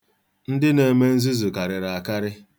Ndị na-eme nzuzu karịrị akarị.